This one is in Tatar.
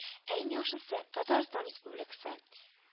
Ә иң яхшысы – татарстан республикасы